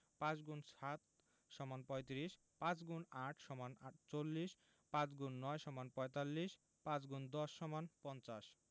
৫× ৭ = ৩৫ ৫× ৮ = ৪৮ ৫x ৯ = ৪৫ ৫×১০ = ৫০